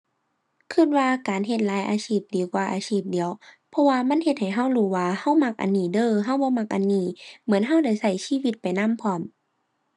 คิดว่าการเฮ็ดหลายอาชีพดีกว่าอาชีพเดียว เพราะว่ามันเฮ็ดให้คิดรู้ว่าคิดมักอันนี้เด้อ คิดบ่มักอันนี้ เหมือนคิดได้คิดชีวิตไปนำพร้อม